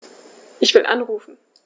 Ich will anrufen.